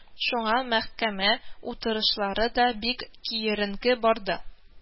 Шуңа мәхкәмә утырышлары да бик киеренке барды